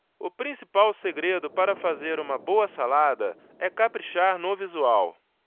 o principal segredo para fazer uma boa salada é caprichar no visual